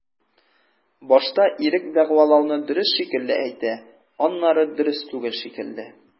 Башта ирек дәгъвалауны дөрес шикелле әйтә, аннары дөрес түгел шикелле.